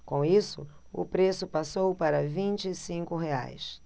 com isso o preço passou para vinte e cinco reais